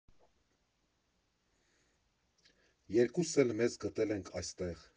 Երկուսս էլ մեզ գտել ենք այստեղ։